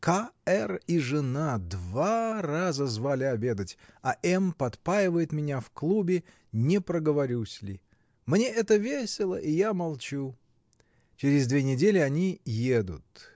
К. Р. и жена два раза звали обедать, а М. подпаивает меня в клубе, не проговорюсь ли. Мне это весело, и я молчу. Через две недели они едут.